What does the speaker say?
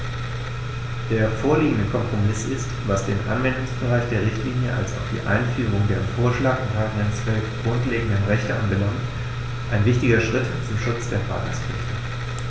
Der vorliegende Kompromiss ist, was den Anwendungsbereich der Richtlinie als auch die Einführung der im Vorschlag enthaltenen 12 grundlegenden Rechte anbelangt, ein wichtiger Schritt zum Schutz der Fahrgastrechte.